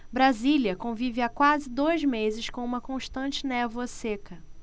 brasília convive há quase dois meses com uma constante névoa seca